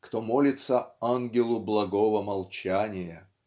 кто молится "ангелу благого молчания".